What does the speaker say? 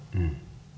ja.